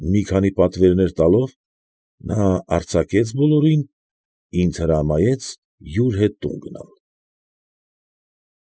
Մի քանի պատվերներ տալով, նա արձակեց բոլորին, ինձ հրամայեց յուր հետ տուն գնալ։